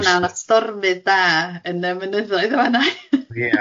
...fanna o'na stormydd da yn y mynyddoedd fan'na Ia.